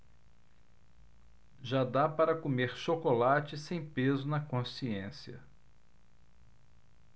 já dá para comer chocolate sem peso na consciência